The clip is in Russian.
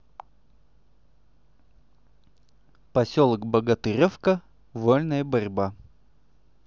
поселок богатыревка вольная борьба